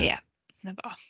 Ia, 'na fo.